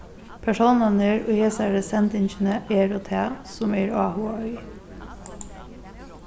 persónarnir í hesari sendingini eru tað sum eg eri áhugað í